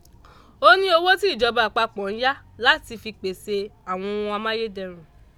"Ó ní owó tí ìjọba àpapọ̀ ń yá jẹ́ láti fi pèsè àwọn amáyédẹrùn.